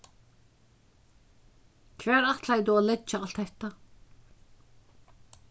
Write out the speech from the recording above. hvar ætlaði tú at leggja alt hetta